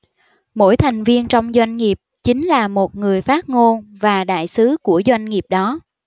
mỗi thành viên trong doanh nghiệp chính là một người phát ngôn và đại sứ của doanh nghiệp đó